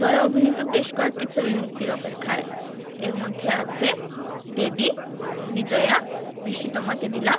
জয়া অভিনীত বেশ কয়েকটি ছবি মুক্তির অপেক্ষায় এর মধ্যে আছে দেবী বিজয়া বৃষ্টি তোমাকে দিলাম